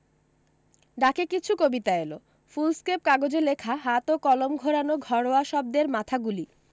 ডাকে কিছু কবিতা এলো ফুলস্কেপ কাগজে লেখা হাত ও কলম ঘোরানো ঘরোয়া শব্দের মাথাগুলি